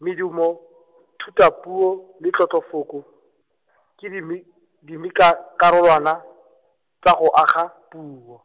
medumo, thutapuo, le tlotlofoko, ke dimi-, dimekakarolwana, tsa go aga, puo.